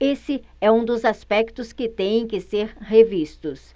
esse é um dos aspectos que têm que ser revistos